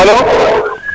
alo